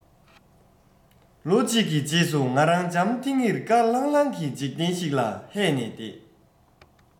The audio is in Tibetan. ལོ གཅིག གི རྗེས སུ ང རང འཇམ ཐིང ངེར དཀར ལྷང ལྷང གི འཇིག རྟེན ཞིག ལ ཧད ནས བསྡད